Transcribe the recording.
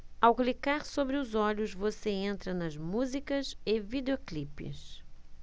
ao clicar sobre os olhos você entra nas músicas e videoclipes